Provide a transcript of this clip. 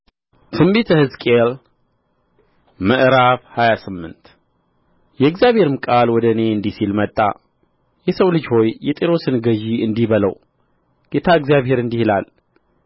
በትንቢተ ሕዝቅኤል ምዕራፍ ሃያ ስምንት የእግዚአብሔርም ቃል ወደ እኔ እንዲህ ሲል መጣ የሰው ልጅ ሆይ የጢሮስን ገዥ እንዲህ በለው ጌታ እግዚአብሔር እንዲህ ይላል